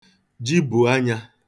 jibù anyā